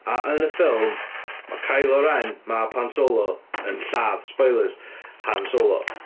A yn y ffilm ma' Kylo Ren, mab Han Solo yn lladd - spoilers - Han Solo.